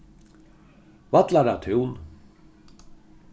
vallaratún